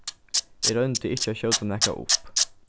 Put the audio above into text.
eg royndi ikki at skjóta nakað upp